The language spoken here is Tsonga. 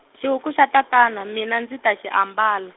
xihuku xa tatana mina ndzi ta xi ambala.